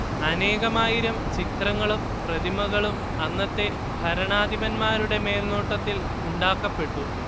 അനേകമായിരം ചിത്രങ്ങളും പ്രതിമകളും അന്നത്തെ ഭരണാധിപന്മാരുടെ മേൽനോട്ടത്തിൽ ഉണ്ടാക്കപ്പെട്ടു